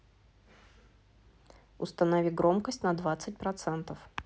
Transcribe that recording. установи громкость на двадцать процентов